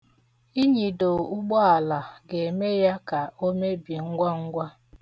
Ịnyịdo ụgbọala ga-eme ya ka o mebie ngwangwa.